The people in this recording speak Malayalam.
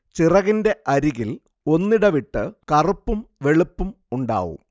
ചിറകിന്റെ അരികിൽ ഒന്നിടവിട്ട് കറുപ്പും വെളുപ്പും ഉണ്ടാവും